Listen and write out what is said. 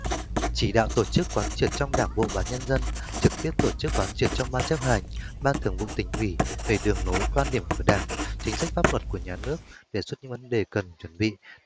chỉ đạo tổ chức quán triệt trong đảng bộ và nhân dân trực tiếp tổ chức quán triệt trong ban chấp hành ban thường vụ tỉnh ủy về đường lối quan điểm của đảng chính sách pháp luật của nhà nước đề xuất những vấn đề cần chuẩn bị